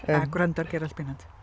Yym... A gwrando ar Gerallt Pennant.